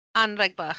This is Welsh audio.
anrheg bach.